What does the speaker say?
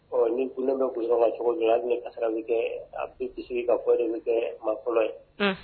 Ɔ ni gunne bɛ goudron na cogo dɔ la, hali ni kasara bɛ kɛ, a bɛ bisigi ka fɔ e de bɛ maa fɔlɔ ye.